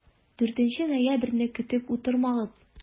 4 ноябрьне көтеп утырмагыз!